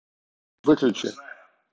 выключи